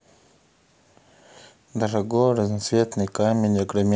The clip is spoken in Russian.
дорогой разноцветный камень огроменный